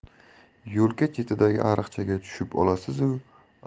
yo'lka chetidagi ariqchaga tushib olasizu